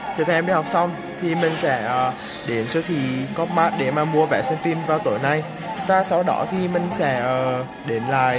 chở thằng em đi học xong mình sẽ đến siêu thị coopmart để mà mua vé xem phim vào tối nay và sau đó thì mình sẽ đến lại